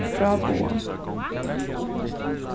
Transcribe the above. fráboðan